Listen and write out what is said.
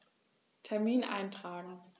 Termin eintragen